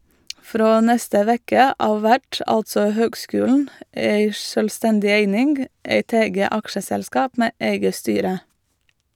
Frå neste veke av vert altså høgskulen ei sjølvstendig eining, eit eige aksjeselskap med eige styre.